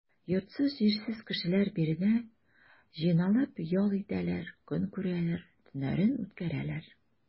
Йортсыз-җирсез кешеләр биредә җыйналып ял итәләр, көн күрәләр, төннәрен үткәрәләр.